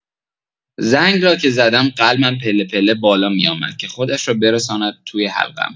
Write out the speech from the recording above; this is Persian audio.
زنگ را که زدم، قلبم پله‌پله بالا می‌آمد که خودش را برساند توی حلقم.